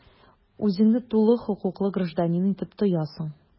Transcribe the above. Үзеңне тулы хокуклы гражданин итеп тоясың.